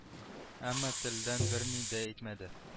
Әмма телдән берни дә әйтмәде